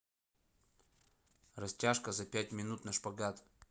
растяжка за пять минут на шпагат